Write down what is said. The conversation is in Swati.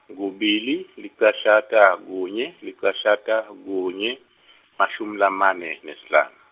kubili, licashata, kunye, licashata, kunye, mashumi lamane, nesihlanu.